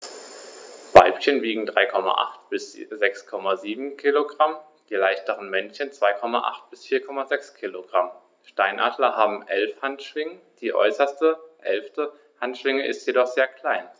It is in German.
Weibchen wiegen 3,8 bis 6,7 kg, die leichteren Männchen 2,8 bis 4,6 kg. Steinadler haben 11 Handschwingen, die äußerste (11.) Handschwinge ist jedoch sehr klein.